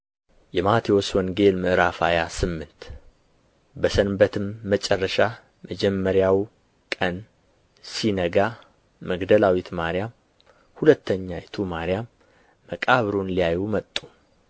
﻿የማቴዎስ ወንጌል ምዕራፍ ሃያ ስምንት በሰንበትም መጨረሻ መጀመሪያው ቀን ሲነጋ መግደላዊት ማርያምና ሁለተኛይቱ ማርያም መቃብሩን ሊያዩ መጡ